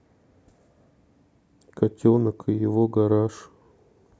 котенок и его гараж